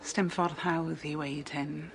Sdim ffordd hawdd i weud hyn.